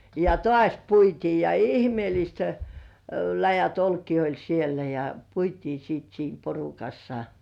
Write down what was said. ja taas puitiin ja ihmeelliset läjät olkia oli siellä ja puitiin sitten siinä porukassa